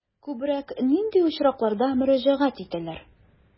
Күбрәк нинди очракларда мөрәҗәгать итәләр?